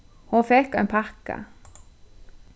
hon fekk ein pakka